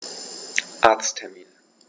Arzttermin